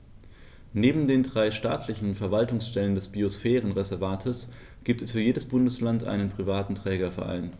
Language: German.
Neben den drei staatlichen Verwaltungsstellen des Biosphärenreservates gibt es für jedes Bundesland einen privaten Trägerverein.